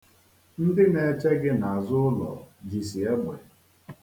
Butere m oche dị n'azụụlọ.